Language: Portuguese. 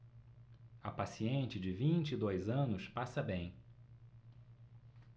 a paciente de vinte e dois anos passa bem